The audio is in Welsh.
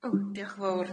O diolch yn fowr.